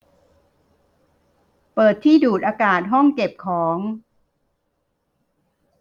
เปิดที่ดูดอากาศห้องเก็บของ